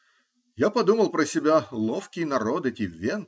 Я подумал про себя: ловкий народ эти венцы.